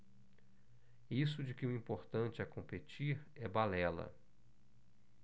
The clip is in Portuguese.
isso de que o importante é competir é balela